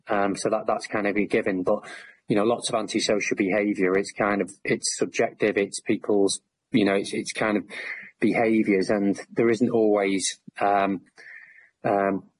um so that that's kind of been given, but you know lots of anti-social behaviour, it's kind of- it's subjective, it's people's, you know it's kind of behaviours, and there isn't always um um